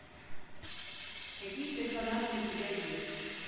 какие персонажи у тебя есть